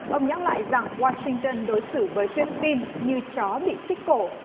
ông nhắc lại rằng goa sinh tơn đối xử với phi líp pin như chó bị xích cổ